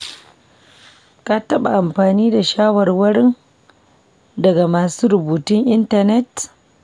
ka taɓa amfani da shawarwarin daga masu rubutun intanet?